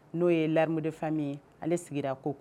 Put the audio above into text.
N'o ye lamdi famu ye ale sigira ko kojugu